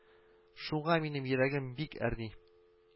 Шуңа минем йөрәгем бик әрни